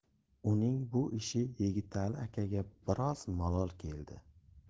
uning bu ishi yigitali akaga biroz malol keldi